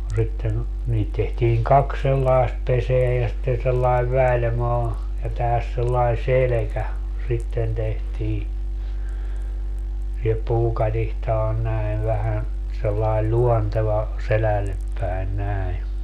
no sitten niitä tehtiin kaksi sellaista pesää ja sitten sellainen välimaa ja tähän sellainen selkä sitten tehtiin ja puukatiska on näin vähän sellainen luonteva selälle päin näin